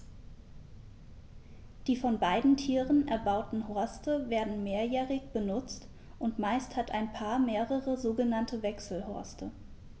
Die von beiden Tieren erbauten Horste werden mehrjährig benutzt, und meist hat ein Paar mehrere sogenannte Wechselhorste.